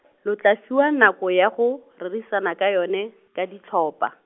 lo tla fiwa nako ya go, rerisana ka yone , ka ditlhopha.